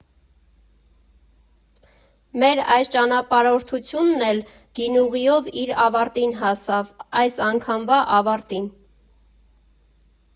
Մեր այս ճանապարհորդությունն էլ գինուղիով իր ավարտին հասավ այս անգամվա ավարտին։